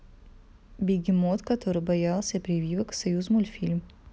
бегемот который боялся прививок союзмультфильм